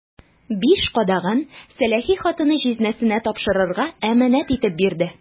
Биш кадагын сәләхи хатыны җизнәсенә тапшырырга әманәт итеп бирде.